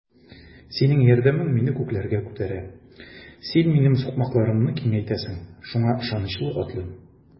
Синең ярдәмең мине күкләргә күтәрә, син минем сукмакларымны киңәйтәсең, шуңа ышанычлы атлыйм.